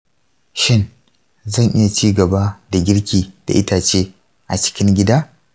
shin zan iya ci gaba da girki da itace a cikin gida?